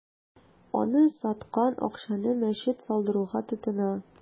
Аны саткан акчаны мәчет салдыруга тотына.